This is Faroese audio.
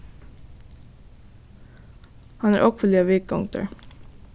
hann er ógvuliga víðgongdur